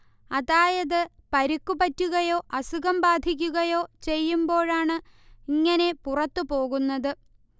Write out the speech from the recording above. അതായത് പരിക്കു പറ്റുകയോ അസുഖം ബാധിക്കുകയോ ചെയ്യുമ്പോഴാണ് ഇങ്ങനെ പുറത്തുപോകുന്നത്